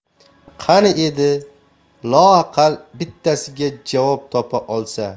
qani edi loaqal bittasiga javob topa olsa